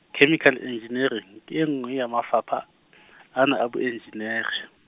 Chemical Engineering ke e nngwe ya Mafapha , ana a a Boenjinere.